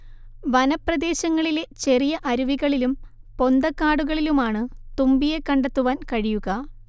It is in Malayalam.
വനപ്രദേശങ്ങളിലെ ചെറിയ അരുവികളിലും പൊന്തക്കാടുകളിലുമാണ് തുമ്പിയെ കണ്ടെത്തുവാൻ കഴിയുക